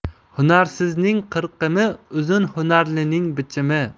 hunarsizning qirqimi uzun hunarlining bichimi